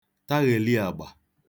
taghèli àgbà